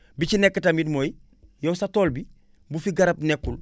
bi ci nekk tamit mooy yow sa tool bi bu fi garab nekkul